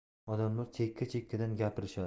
odamlar chekka chekkadan gapirishadi